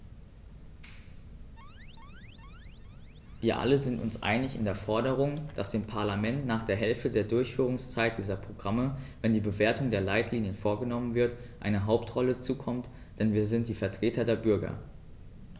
Wir alle sind uns einig in der Forderung, dass dem Parlament nach der Hälfte der Durchführungszeit dieser Programme, wenn die Bewertung der Leitlinien vorgenommen wird, eine Hauptrolle zukommt, denn wir sind die Vertreter der Bürger.